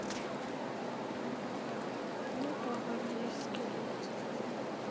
ну погоди скелет